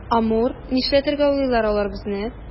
Амур, нишләтергә уйлыйлар алар безне?